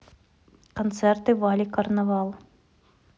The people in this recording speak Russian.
концерты вали карнавал